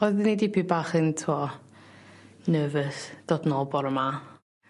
Oedden i dipyn bach yn t'wo nervous dod nôl bore 'ma